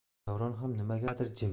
davron ham nimagadir jim